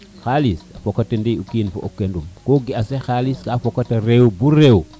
xalis a fokata na o kiin fo o kinum